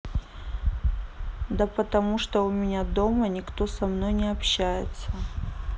да потому что у меня дома никто со мной не общается